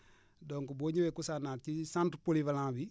donc boo ñëwee Kousanaar ci centre polyvalent bi